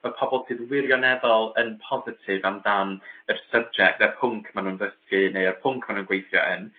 y pobol sydd wirioneddol yn positif amdan yr subject y pwnc ma' nw'n ddysgu neu yr pwnc ma' nw'n gweithio yn